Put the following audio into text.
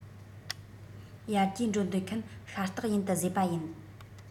ཡར རྒྱས འགྲོ འདོད མཁན ཤ སྟག ཡིན དུ བཟོས པ ཡིན